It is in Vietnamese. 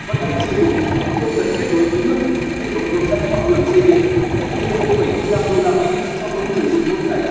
vận hành riêng biệt không cần kết nối với nước hệ thống cống rãnh hoặc đường dây điện tiết kiệm đô la mỹ cho mỗi người dùng ngày